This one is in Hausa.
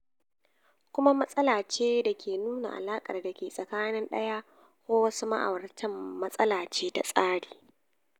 Kuma matsala ce da ke nuna alaƙar da ke tsakanin ɗaya ko wasu ma'auratan - matsala ce ta tsari.